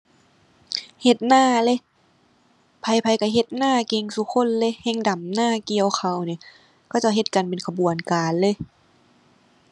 เฮ็ดนาเลย ไผไผก็เฮ็ดนาเก่งซุคนเลย แฮ่งดำนาเกี่ยวข้าวหนิ เขาเจ้าเฮ็ดกันเป็นขบวนการเลย